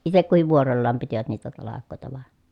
itse kukin vuorollaan pitivät niitä talkoita vain